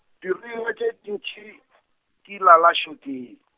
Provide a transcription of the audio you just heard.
diruiwa tše di ntšhi, di lala šokeng.